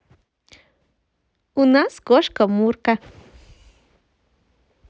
у нас кошка мурка